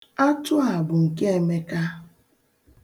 Atụ a bụ nke Emeka.